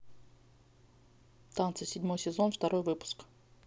танцы седьмой сезон второй выпуск